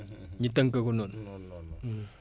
grand Yaya Dieng